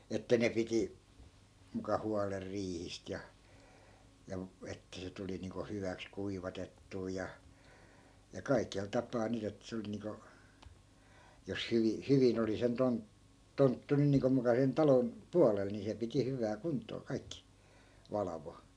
että ne piti muka huolen riihistä ja ja että se tuli niin kuin hyväksi kuivatettua ja ja kaikella tapaa nyt että se oli niin kuin jos - hyvin oli sen - tonttu nyt niin kuin muka sen talon puolella niin se piti hyvään kuntoon kaikki valvoi